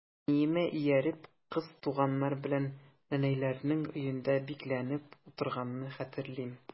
Әниемә ияреп, кыз туганнар белән нәнәйләрнең өендә бикләнеп утырганны хәтерлим.